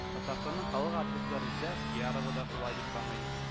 Татарстанның халык артисты Резидә Ахиярова да шулай дип саный